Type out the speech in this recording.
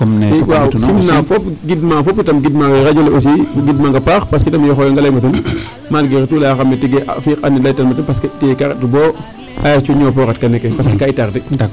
Wa simna fop, gidma fop tamit, gidma we radio aussi gidmanang a paax parce que ye xoyonga layongo ten malgrés tout layaxamo tiye fiiqa ne laytanoona parce "que tiye ka ret u boo parce que kaa i tarde.